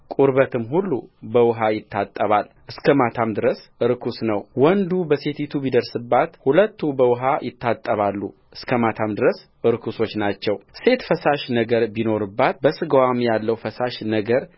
ቁርበትም ሁሉ በውኃ ይታጠባል እስከ ማታም ድረስ ርኩስ ነውወንዱ በሴቲቱ ቢደርስባት ሁለቱ በውኃ ይታጠባሉ እስከ ማታም ድረስ ርኩሶች ናቸውሴት ፈሳሽ ነገር ቢኖርባት በሥጋዋም ያለው ፈሳሽ ነገር